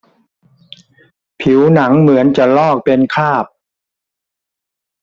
ผิวหนังเหมือนจะลอกเป็นคราบ